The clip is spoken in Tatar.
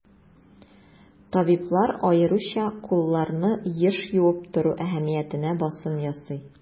Табиблар аеруча кулларны еш юып тору әһәмиятенә басым ясый.